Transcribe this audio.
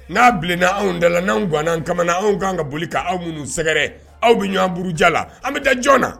N'a bilenna anw da la n'an ganan ka anw kanan ka boli ka aw minnu sɛgɛrɛ aw bɛ ɲɔgɔn buru ja la an bɛ taa jɔn na